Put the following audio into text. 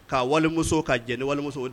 Ka walimuso ka jeni walimuso